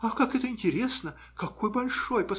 - Ах, как это интересно! Какой большой!